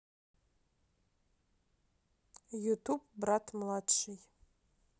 ютуб брат младший